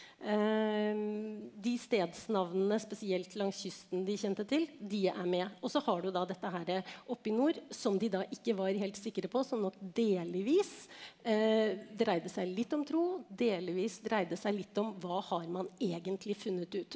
de stedsnavnene spesielt langs kysten de kjente til de er med og så har du da dette herre oppi nord som de da ikke var helt sikre på sånn at delvis dreide seg litt om tro delvis dreide seg litt om hva har man egentlig funnet ut.